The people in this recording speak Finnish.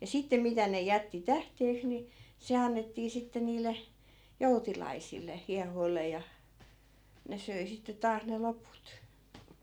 ja sitten mitä ne jätti tähteeksi niin se annettiin sitten niille joutilaisille hiehoille ja ne söi sitten taas ne loput